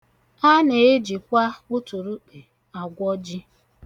Ana-ejikwa uturukpe agwọ ji.